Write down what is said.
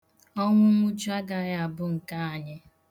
Ọnwụ nwụchu agaghị abụ nke anyị.